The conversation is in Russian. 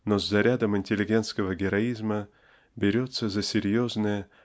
но с зарядом интеллигентского героизма берется за серьезные